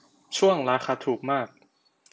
ช่วงราคาถูกมาก